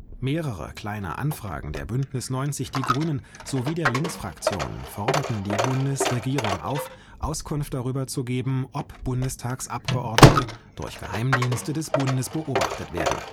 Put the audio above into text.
Mehrere Kleine Anfragen der Bündnis 90/Die Grünen - sowie der Linksfraktion forderten die Bundesregierung auf, Auskunft darüber zu geben, ob Bundestagsabgeordnete durch Geheimdienste des Bundes beobachtet werden